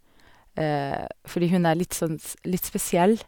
Fordi hun er litt sånn s litt spesiell.